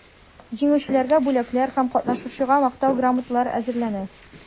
Җиңүчеләргә бүләкләр, һәр катнашучыга мактау грамоталары әзерләнә.